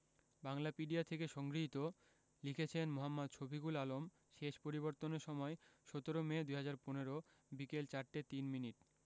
বাংলাপিডিয়া থেকে সংগ্রহীত লিখেছেন মোঃ শফিকুল আলম শেষ পরিবর্তনের সময়ঃ ১৭ মে ২০১৫ বিকেল ৪টা ৩ মিনিট